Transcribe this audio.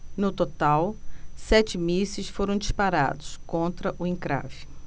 no total sete mísseis foram disparados contra o encrave